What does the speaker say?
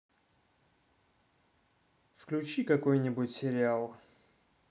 включи какой нибудь сериал